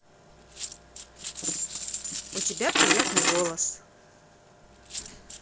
у тебя приятный голос